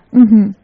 Unhun